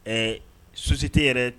Ɛɛ sosi tɛ yɛrɛ